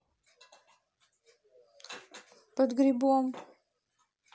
под грибом